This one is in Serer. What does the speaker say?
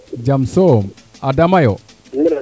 jam soom Adama yo